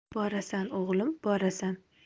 borasan o'g'lim borasan